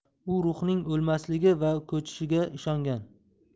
u ruhning o'lmasligi va ko'chishiga ishongan